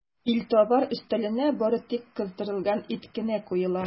Илтабар өстәленә бары тик кыздырылган ит кенә куела.